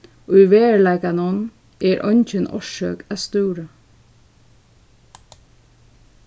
í veruleikanum er eingin orsøk at stúra